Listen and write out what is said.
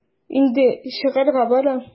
Инде чыгарга бара.